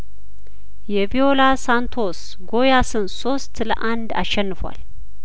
የቪዮላ ሳንቶስ ጐያስን ሶስት ለአንድ አሸንፏል